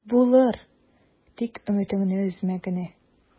Булыр, тик өметеңне өзмә генә...